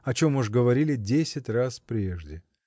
о чем уж говорили десять раз прежде.